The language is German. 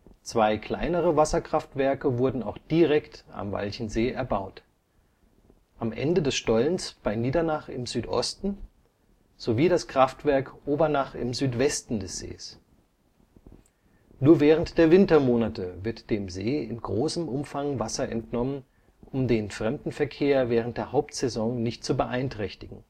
Zwei kleinere Wasserkraftwerke wurden auch direkt am Walchensee erbaut: am Ende des Stollens bei Niedernach im Südosten sowie das Kraftwerk Obernach im Südwesten des Sees. Nur während der Wintermonate wird dem See in großem Umfang Wasser entnommen, um den Fremdenverkehr während der Hauptsaison nicht zu beeinträchtigen